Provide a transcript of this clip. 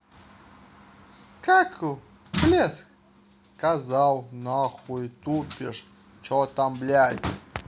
katy блеск казал нахуй тупишь че там блять